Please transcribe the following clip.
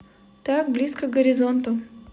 так близко к горизонту